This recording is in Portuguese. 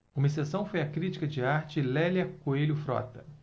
uma exceção foi a crítica de arte lélia coelho frota